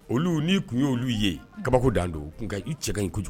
Olu n'i tun ye olu ye kabako dan don u tun ka u cɛ ka ɲi kojugu